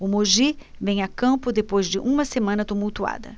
o mogi vem a campo depois de uma semana tumultuada